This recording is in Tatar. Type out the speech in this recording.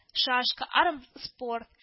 Шашка, арм-спорт